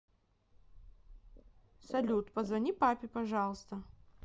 салют позвони папе пожалуйста